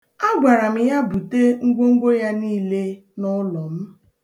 A gwara m ya bute ngwongwo ya niile n'ụlọ m.